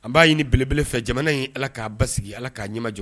An b'a ɲini belebelefɛ jamana in ala k'a ba sigi ala k'a ɲɛjɔ